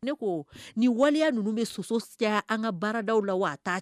Ne ko ni waleya ninnu bɛ sosodiyaya an ka baarada la wa ta